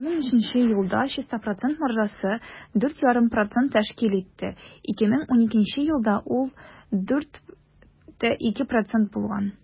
2013 елда чиста процент маржасы 4,5 % тәшкил итте, 2012 елда ул 4,2 % булган.